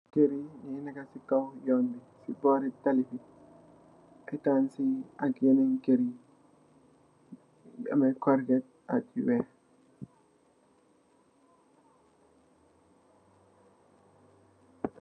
Keur yi mungi nekah si kaw yun si buri yun bi etanse yi ak yenen keur yi mungi ame corget ak werr